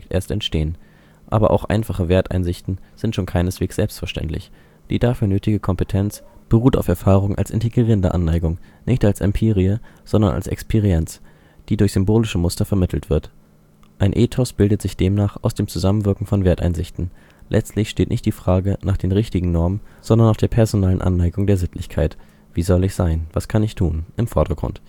erst entstehen – aber auch einfache Werteinsichten sind schon keineswegs selbstverständlich. Die dafür nötige Kompetenz beruht auf Erfahrung als integrierender Aneignung (nicht als Empirie, sondern als Experienz, die durch symbolische Muster vermittelt wird). Ein Ethos bildet sich demnach aus dem Zusammenwirken von Werteinsichten. Letztlich steht nicht die Frage nach den richtigen Normen, sondern nach der personalen Aneignung der Sittlichkeit („ Wie soll ich sein? Was kann ich tun? “) im Vordergrund